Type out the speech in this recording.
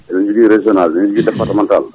eɗen jogui régional eɗen jogui départemental